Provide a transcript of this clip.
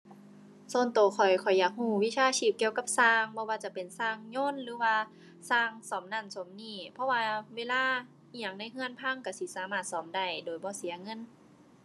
ส่วนตัวข้อย ข้อยอยากตัววิชาชีพเกี่ยวกับตัวบ่ว่าจะเป็นตัวยนต์หรือว่าตัวซ่อมนั่นซ่อมนี่ เพราะว่าเวลาอิหยังในตัวพังตัวสิสามารถซ่อมได้โดยบ่เสียเงิน